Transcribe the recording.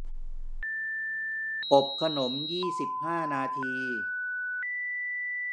อบขนมยี่สิบห้านาที